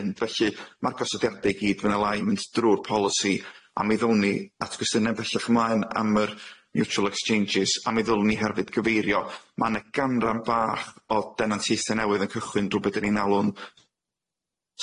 fynd felly ma'r gosodiade i gyd fy' na lai yn mynd drw'r polisi a mi ddown ni atgwestyne fellych ymlaen am yr mutual exchanges a mi ddylwn ni herfyd gyfeirio ma' na ganran bach o denantiaethe newydd yn cychwyn drw be' dyn ni'n alw'n